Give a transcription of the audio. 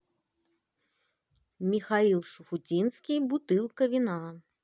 михаил шуфутинский бутылка вина